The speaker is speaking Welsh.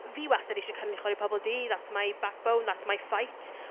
fi wastad isie cynrychioli pobl du. That's my backbone, that's my fight.